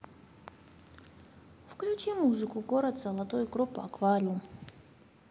включи музыку город золотой группа аквариум